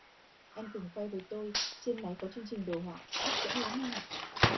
anh từng khoe với tôi trên máy có chương trình đồ họa hấp dẫn lắm anh ạ